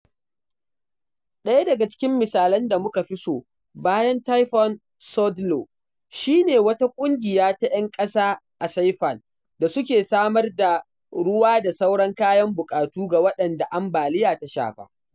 Daya daga cikin misalan da muka fi so bayan Typhoon Soudelor shi ne wata ƙungiya ta ‘yan ƙasa a Saipan da suke samar da ruwa da sauran kayan buƙatu ga waɗanda ambaliyar ta shafa.